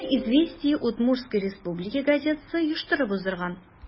Аны «Известия Удмуртсткой Республики» газетасы оештырып уздырган.